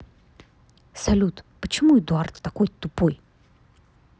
салют почему эддард такой тупой